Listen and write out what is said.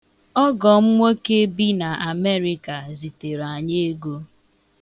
Ọgọ m nwoke bi n' America zitere anyị ego.